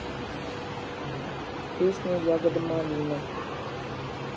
песня ягода малина